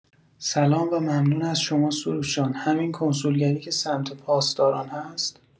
سلام و ممنون از شما سروش جان همین کنسولگری که سمت پاسداران هست؟